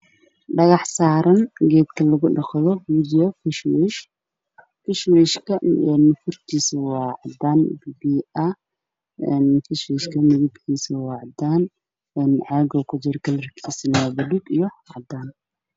Waa dhagax waxaa saaran geedka lugu dhaqdo wajiga oo faswosh cadaan ah caaga ay kujirto waa buluug iyo cadaan.